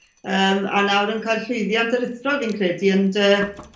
yym a nawr yn ca'l llwyddiant aruthrol fi'n credu yn dy